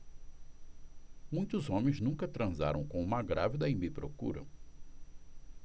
muitos homens nunca transaram com uma grávida e me procuram